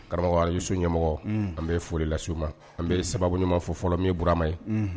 Karamɔgɔsu ɲɛmɔgɔ an bɛ folilasiwuma an bɛ sababu ɲumanfɔ fɔlɔ ye burama ye